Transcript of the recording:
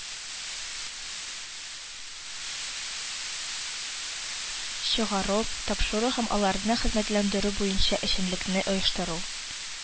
Чыгару, тапшыру һәм аларны хезмәтләндерү буенча эшчәнлекне оештыру